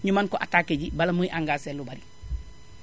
ñu mën ko attaqué ji bala muy engagé lu bari